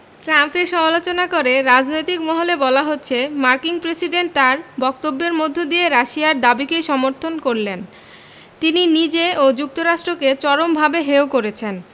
ট্রাম্পের সমালোচনা করে রাজনৈতিক মহলে বলা হচ্ছে মার্কিন প্রেসিডেন্ট তাঁর বক্তব্যের মধ্য দিয়ে রাশিয়ার দাবিকেই সমর্থন করলেন তিনি নিজে ও যুক্তরাষ্ট্রকে চরমভাবে হেয় করেছেন